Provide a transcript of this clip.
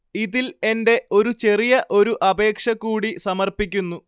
ഇതിൽ എന്റെ ഒരു ചെറിയ ഒരു അപേക്ഷ കൂടി സമർപ്പിക്കുന്നു